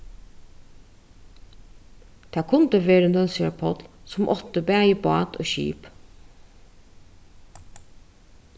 tað kundi verið nólsoyar páll sum átti bæði bát og skip